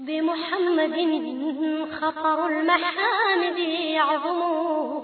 Denmugɛningɛningɛningɛnin yo